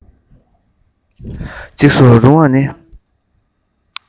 འཇིགས སུ རུང བ ནི